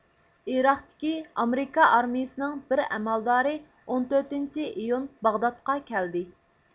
ئىراقتىكى ئامېرىكا ئارمىيىسىنىڭ بىر ئەمەلدارى ئون تۆتىنچى ئىيۇن باغدادقا كەلدى